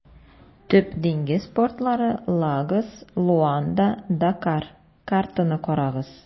Төп диңгез портлары - Лагос, Луанда, Дакар (картаны карагыз).